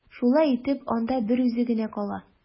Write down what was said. Шулай итеп, анда берүзе генә кала.